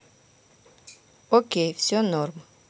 окей все норм